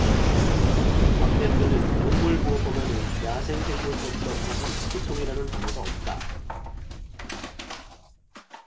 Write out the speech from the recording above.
박 대표는 동물보호법에는 야생생물법과 달리 고통이라는 단어가 없다